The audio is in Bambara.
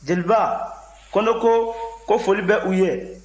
jeliba ko n ko ko foli bɛ u ye